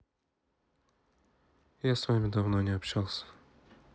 я с вами давно не общался